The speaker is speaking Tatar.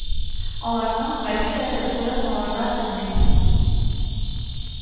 Аларның кайберләре бу язмаларда безнең